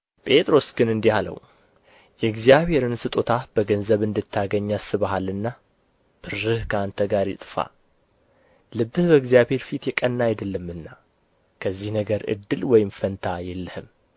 ጴጥሮስ ግን እንዲህ አለው የእግዚአብሔርን ስጦታ በገንዘብ እንድታገኝ አስበሃልና ብርህ ከአንተ ጋር ይጥፋ ልብህ በእግዚአብሔር ፊት የቀና አይደለምና ከዚህ ነገር ዕድል ወይም ፈንታ የለህም